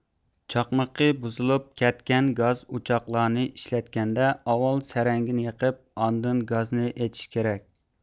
چاقمىقى بۇزۇلۇپ كەتكەن گاز ئوچاقلارنى ئىشلەتكەندە ئاۋال سەرەڭگىنى يېقىپ ئاندىن گازنى ئېچىش كېرەك